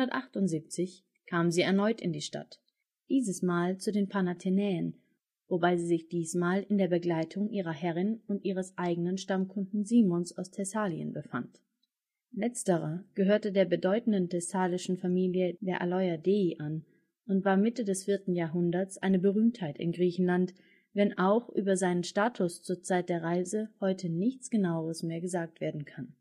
378 kam sie erneut in die Stadt, dieses Mal zu den Panathenäen, wobei sie sich diesmal in der Begleitung ihrer Herrin und ihres eigenen Stammkunden Simos aus Thessalien befand. Letzterer gehörte der bedeutenden thessalischen Familie der Aleuadei an und war Mitte des 4. Jahrhunderts eine Berühmtheit in Griechenland, wenn auch über seinen Status zur Zeit der Reise heute nichts Genaues mehr gesagt werden kann